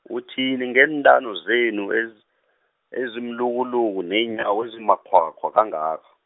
uthini ngeentamo zenu, ez- ezimlukuluku neenyawo ezimakghwakghwa kangaka.